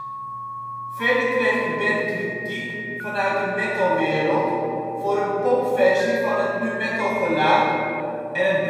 Verder kreeg de band kritiek vanuit de metalwereld voor hun popversie van het nu-metalgeluid en